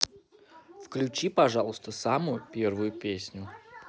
включи пожалуйста самую первую песню